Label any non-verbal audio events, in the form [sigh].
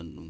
[hesitation] [hesitation]